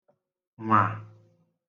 -nwà